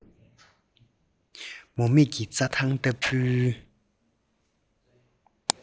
མུ མེད ཀྱི རྩྭ ཐང ལྟ བུའི